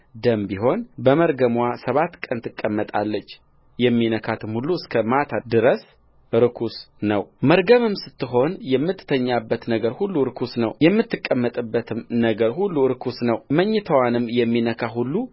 ደም ቢሆን በመርገምዋ ሰባት ቀን ትቀመጣለች የሚነካትም ሁሉ እስከ ማታ ድረስ ርኩስ ነውመርገምም ስትሆን የምትተኛበት ነገር ሁሉ ርኩስ ነው የምትቀመጥበትም ነገር ሁሉ ርኩስ ነውመኝታዋንም የሚነካ ሁሉ